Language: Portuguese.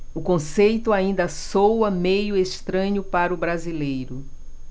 o conceito ainda soa meio estranho para o brasileiro